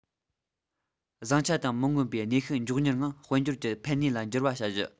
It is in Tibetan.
བཟང ཆ དང མི མངོན པའི ནུས ཤུགས མགྱོགས མྱུར ངང དཔལ འབྱོར གྱི ཕན ནུས ལ འགྱུར བ བྱ རྒྱུ